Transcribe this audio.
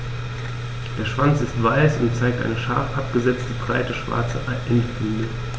Der Schwanz ist weiß und zeigt eine scharf abgesetzte, breite schwarze Endbinde.